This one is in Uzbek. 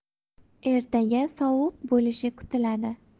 ertaga sovuq bo'lishi kutiladi